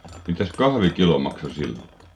mitäs kahvikilo maksoi silloin